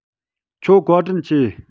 ཁྱོད བཀའ དྲིན ཆེ